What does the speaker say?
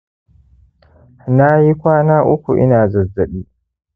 na yi kwana uku ina zazzabi